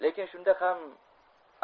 lekin shunda ham